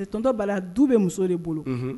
Ttɔ bala du bɛ muso de bolo